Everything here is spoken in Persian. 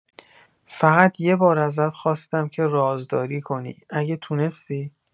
فقط یه بار ازت خواستم که رازداری کنی، اگه تونستی.